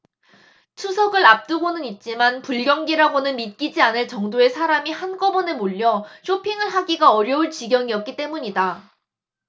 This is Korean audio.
추석을 앞두고는 있지만 불경기라고는 믿기지 않을 정도의 사람이 한꺼번에 몰려 쇼핑을 하기가 어려울 지경이었기 때문이다